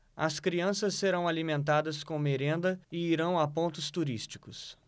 as crianças serão alimentadas com merenda e irão a pontos turísticos